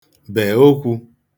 bè okwū